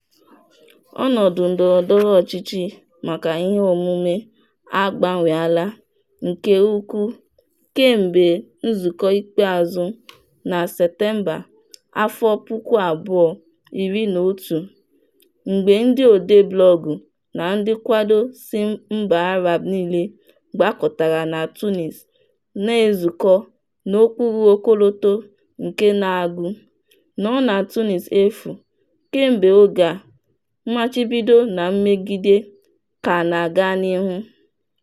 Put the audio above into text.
Ọnọdụ ndọrọndọrọ ọchịchị maka iheomume a agbanweela nke ukwuu kemgbe nzukọ ikpeazụ na Septemba 2011, mgbe ndị odee blọọgụ na ndị nkwado si mba Arab niile gbakọtara na Tunis, na-ezukọ n'okpuru ọkọlọtọ nke na-agụ: "Nnọọ na Tunis Efu." Kemgbe oge a, mmachibido na mmegide ka na-aga n'ihu.